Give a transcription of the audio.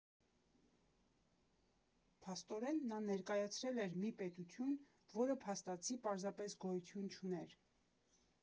Փաստորեն, նա ներկայացրել էր մի պետություն, որը փաստացի պարզապես գոյություն չուներ։